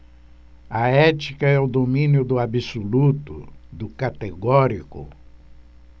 a ética é o domínio do absoluto do categórico